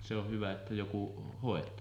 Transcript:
se on hyvä että joku hoitaa